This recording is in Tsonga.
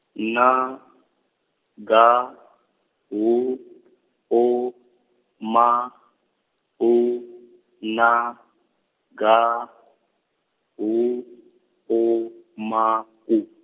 N G H O M O N G H O M O.